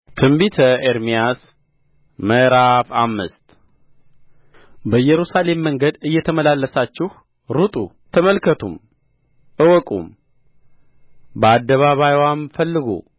ትንቢተ ኤርምያስ ምዕራፍ አምስት በኢየሩሳሌም መንገድ እየተመላለሳችሁ ሩጡ ተመልከቱም እወቁም በአደባባይዋም ፈልጉ